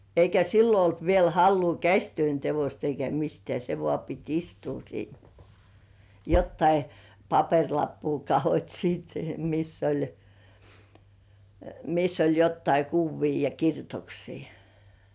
eikä silloin ollut vielä halua käsityön teosta eikä mistään se vain piti istua siinä jotakin paperilappua katsot sitten missä oli missä oli jotakin kuvia ja kirjoituksia